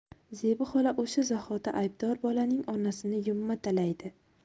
zebi xola o'sha zahoti aybdor bolaning onasini yumma talaydi